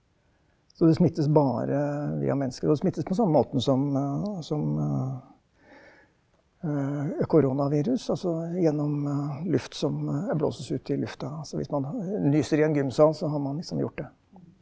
så det smittes bare via mennesker, og det smittes på samme måten som som koronavirus, altså gjennom luft som blåses ut i lufta, altså hvis man nyser i en gymsal så har man liksom gjort det.